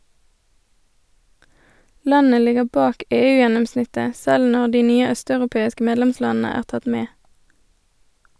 Landet ligger bak EU-gjennomsnittet, selv når de nye østeuropeiske medlemslandene er tatt med.